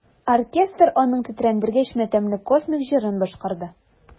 Оркестр аның тетрәндергеч матәмле космик җырын башкарды.